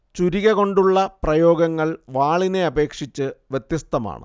ചുരിക കൊണ്ടുള്ള പ്രയോഗങ്ങൾ വാളിനെ അപേക്ഷിച്ച് വ്യത്യസ്തമാണ്